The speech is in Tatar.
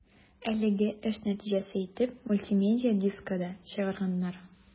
Әлеге эш нәтиҗәсе итеп мультимедия дискы да чыгарганнар.